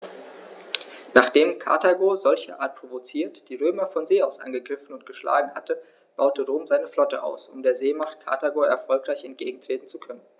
Nachdem Karthago, solcherart provoziert, die Römer von See aus angegriffen und geschlagen hatte, baute Rom seine Flotte aus, um der Seemacht Karthago erfolgreich entgegentreten zu können.